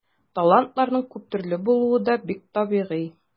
Талантларның күп төрле булуы да бик табигый.